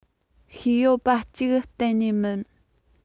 ཤེས ཡོན པ གཅིག གཏན ནས མིན